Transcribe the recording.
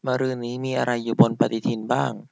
มะรืนนี้มีอะไรอยู่บนปฎิทินบ้าง